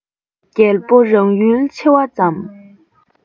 རྒྱལ པོ རང ཡུལ ཆེ བ ཙམ